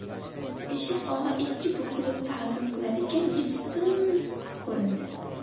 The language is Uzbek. eshik og'a ikki bukilib tazim qilar ekan yuzi tund ko'rindi